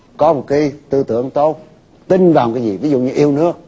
có một cái tư tưởng tốt tin vào một cái gì ví dụ như yêu nước